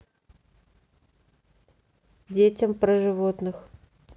детям про животных